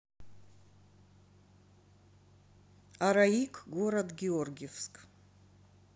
араик город георгиевск